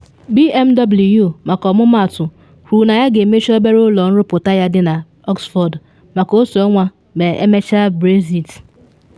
BMW, maka ọmụmatụ, kwuru na ya ga-emechi Obere ụlọ nrụpụta ya dị na Oxford maka otu ọnwa ma emechaa Brexit.